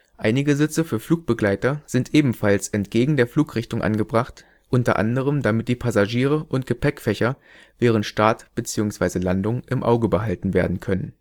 Einige Sitze für Flugbegleiter sind ebenfalls entgegen der Flugrichtung angebracht, u. a. damit die Passagiere und Gepäckfächer während Start bzw. Landung im Auge behalten werden können